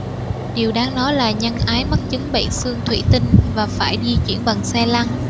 điều đáng nói là nhân ái mắc chứng bệnh xương thủy tinh và phải di chuyển bằng xe lăn